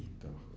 tabax kër